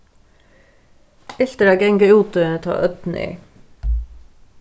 ilt er at ganga úti tá ódn er